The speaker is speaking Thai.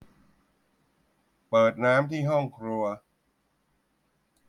เปิดน้ำที่ห้องครัว